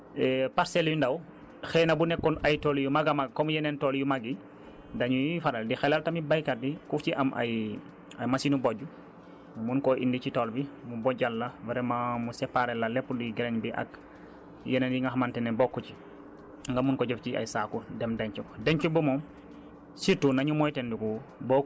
bon dafa nekk actuellement nii parcelle yu ndaw xëy na bu nekkoon ay tool yu mag a mag comme yeneen tool yu mag yi dañuy faral di xelal tamit baykat bi ku ci am ay ay machines bojj mu mën koo indi ci tool bi mu bojjal la vraiment mu séparer la lépp luy graine bi ak yeneen yi nga xamante ne bokku ci nga mën ko def ci ay saako dem denc ko